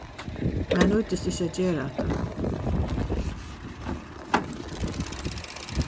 mær nýtist ikki at gera hatta